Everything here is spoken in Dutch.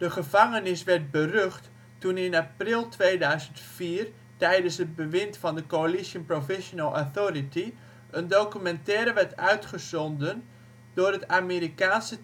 gevangenis werd berucht toen in april 2004 tijdens het bewind van de Coalition Provisional Authority een documentaire werd uitgezonden door het Amerikaanse